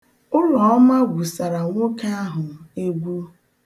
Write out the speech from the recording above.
Ụlọma gwusara nwoke ahụ egwu.